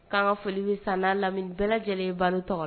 K' ka foli bɛ san n'a lamini bɛɛ lajɛlen baro tɔgɔ la